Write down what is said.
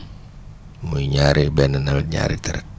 muy ñaari benn nawet ñaari traite